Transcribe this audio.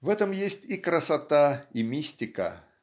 В этом есть и красота, и мистика.